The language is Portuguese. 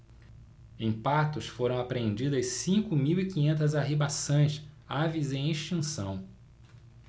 em patos foram apreendidas cinco mil e quinhentas arribaçãs aves em extinção